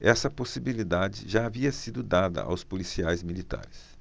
essa possibilidade já havia sido dada aos policiais militares